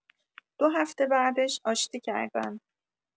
دو هفته بعدش آشتی کردن!